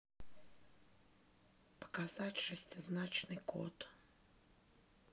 показать шестизначный код